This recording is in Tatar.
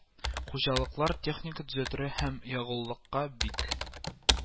Хуҗалыклар техника төзәтергә һәм ягулыкка бик